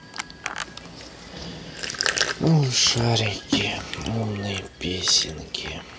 малышарики умные песенки